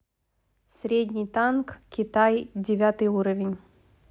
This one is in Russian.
средний танк китай девятый уровень